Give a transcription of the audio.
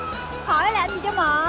hỏi làm gì cho mệt